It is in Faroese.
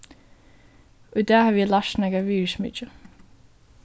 í dag havi eg lært nakað virðismikið